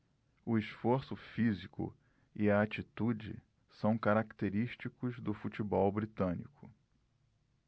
o esforço físico e a atitude são característicos do futebol britânico